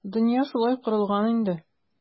Дөнья шулай корылган инде.